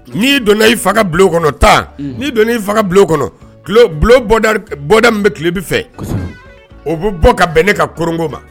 Ni donna i faga bulon kɔnɔ tan don ii bulon kɔnɔ bɔda min bɛ tile bɛ fɛ o bɛ bɔ ka bɛn ne ka kko ma